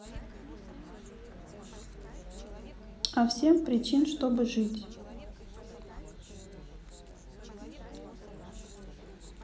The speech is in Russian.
а всем причин чтобы жить